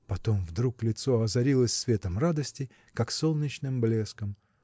Потом вдруг лицо озарилось светом радости, как солнечным блеском.